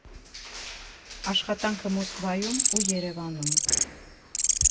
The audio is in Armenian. ԱՇԽԱՏԱՆՔԸ ՄՈՍԿՎԱՅՈՒՄ ՈՒ ԵՐԵՎԱՆՈՒՄ։